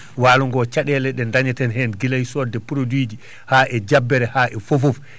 walo ngo caɗeele ɗe dañetenheen guila e sodde produit ji haa e jabbere haa fofoof